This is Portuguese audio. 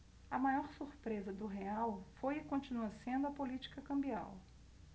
a maior surpresa do real foi e continua sendo a política cambial